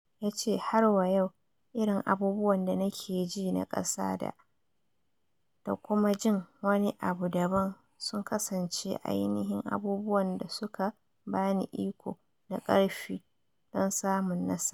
Ya so ya tabbatar da cewa shi "wani abu," in ji shi, don haka bai yi takaici ga kowa ba a lokacin da suka gano jinsin sa.